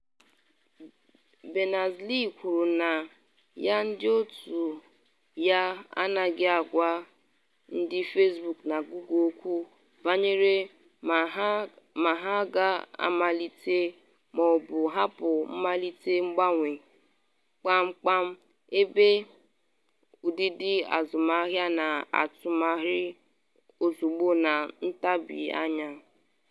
Berners-Lee kwuru na ya ndị otu ya anaghị agwa ndị “Facebook na Google okwu banyere ma ha a ga-amalite ma ọ bụ hapụ mmalite mgbanwe kpamkpam ebe ụdịdị azụmahịa na-atụgharị ozugbo na ntabi anya.